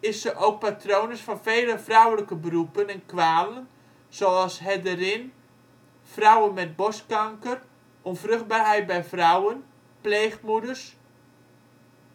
is ze ook patrones van vele vrouwelijke beroepen en kwalen zoals: herderin, vrouwen met borstkanker, onvruchtbaarheid bij vrouwen, pleegmoeders,...